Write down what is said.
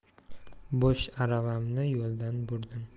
bo'sh aravamni yo'ldan burdim